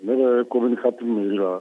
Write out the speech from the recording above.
Ne bɛ commune IV Mairie la